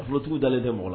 Nafolotigiw dalen tɛ mɔgɔ la